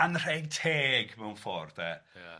anrheg teg mewn ffordd de... Ia.